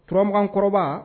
Tura kɔrɔba